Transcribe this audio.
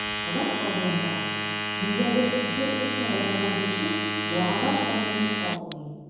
Алар авылында, нигәдер, бер эчә башлаган кеше яңадан айный алмый.